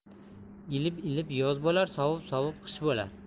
ilib ilib yoz bo'lar sovib sovib qish bo'lar